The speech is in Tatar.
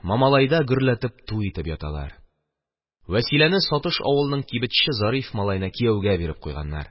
Мамалайда гөрләтеп туй итеп яталар, Вәсиләне Сатыш авылының кибетче Зариф малаена кияүгә биреп куйганнар.